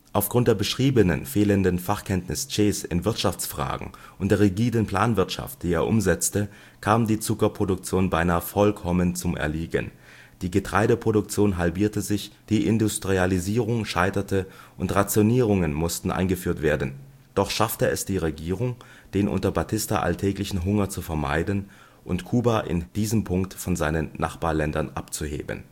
Aufgrund der beschriebenen fehlenden Fachkenntnis Ches in Wirtschaftsfragen und der rigiden Planwirtschaft, die er umsetzte, kam die Zuckerproduktion beinahe vollkommen zum Erliegen, die Getreideproduktion halbierte sich, die Industrialisierung scheiterte und Rationierungen mussten eingeführt werden. Doch schaffte es die Regierung, den unter Batista alltäglichen Hunger zu vermeiden und Kuba in diesem Punkt von seinen Nachbarländern abzuheben